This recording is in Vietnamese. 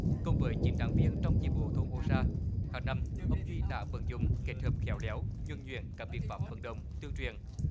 cùng với chín đảng viên trong chi bộ thôn ô sa hằng năm ông duy đã vận dụng kết hợp khéo léo nhuần nhuyễn các biện pháp vận động tuyên truyền